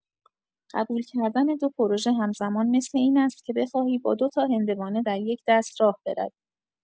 قبول‌کردن دو پروژه همزمان مثل این است که بخواهی با دو تا هندوانه در یک دست راه بروی.